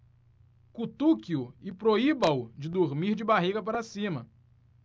cutuque-o e proíba-o de dormir de barriga para cima